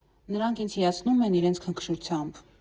Նրանք ինձ հիացնում են իրենց քնքշությամբ։